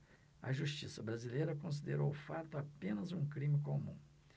a justiça brasileira considerou o fato apenas um crime comum